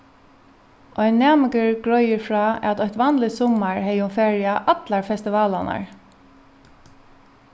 ein næmingur greiður frá at eitt vanligt summar hevði hon farið á allar festivalarnar